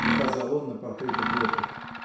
— указал он на портреты предков.